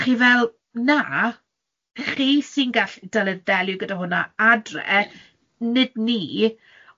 a chi fel, na, chi sy'n gall- dyle delio gyda hwnna adre, nid ni.